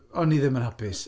O'n i ddim yn hapus.